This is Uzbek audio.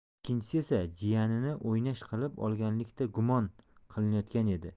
ikkinchisi esa jiyanini o'ynash qilib olganlikda gumon qilinayotgan edi